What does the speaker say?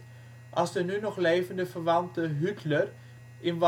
de nu nog levende verwanten Hüttler in